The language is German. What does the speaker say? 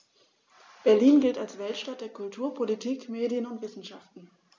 Berlin gilt als Weltstadt der Kultur, Politik, Medien und Wissenschaften.